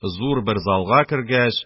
Ур бер залга кергәч,